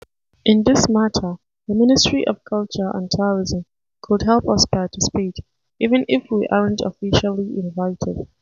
In this matter, the Ministry of Culture and Tourism could help us participate, even if we aren't officially invited.